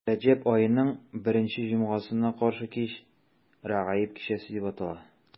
Рәҗәб аеның беренче җомгасына каршы кич Рәгаиб кичәсе дип атала.